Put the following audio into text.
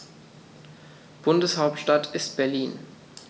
Bundeshauptstadt ist Berlin.